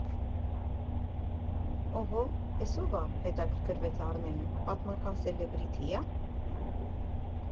֊ Օհո, էս ո՞վ ա, ֊ հետաքրքրվեց Արմենը, ֊ պատմական սելեբրիթի ա՞։